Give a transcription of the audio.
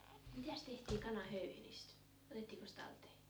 mitäs tehtiin kanan höyhenistä otettiinkos talteen